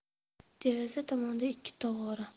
deraza tomonda ikki tog'ora